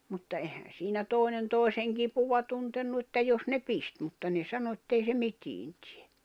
mutta eihän siinä toinen toisen kipua tuntenut että jos ne pisti mutta ne sanoi että ei se mitään tee